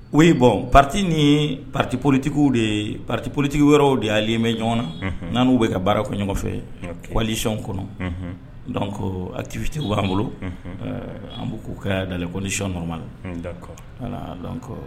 O bɔ pati ni pati politigiww de ye politigi wɛrɛw de y'alen bɛ ɲɔgɔn na nan bɛ ka baara kɔnɔ ɲɔgɔn fɛ waliliyonɔn kɔnɔ ko atifiti b waraan bolo an bɛ k'u ka dala koyɔnɔrɔma la